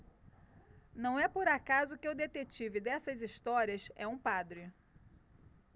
não é por acaso que o detetive dessas histórias é um padre